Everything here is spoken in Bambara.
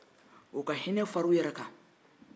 u ka hinɛ fara u yɛrɛ